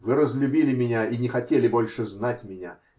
Вы разлюбили меня и не хотели больше знать меня!